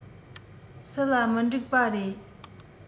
སུ ལ མི འགྲིག པ རེད